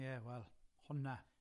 Ie wel, hwnna.